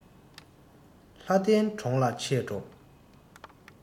ལྷ ལྡན གྲོང ལ ཆས འགྲོ